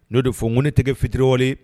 N'o de fɔ ko ne tɛgɛ fitiriwale